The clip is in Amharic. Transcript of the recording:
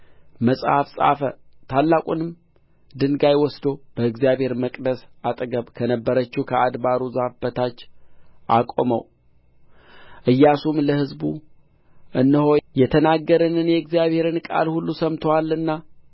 መጽሐፍ ጻፈ ታላቁንም ድንጋይ ወስዶ በእግዚአብሔር መቅደስ አጠገብ ከነበረችው ከአድባሩ ዛፍ በታች አቆመው ኢያሱም ለሕዝቡ እነሆ የተናገረንን የእግዚአብሔርን ቃል ሁሉ ሰምቶአልና